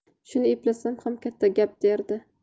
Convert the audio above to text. shuni eplasam ham katta gap derdi